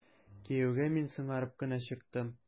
Кияүгә мин соңарып кына чыктым.